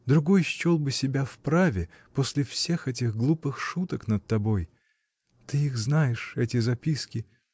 Другой счел бы себя вправе после всех этих глупых шуток над тобой. Ты их знаешь: эти записки.